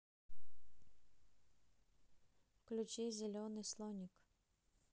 включи зеленый слоник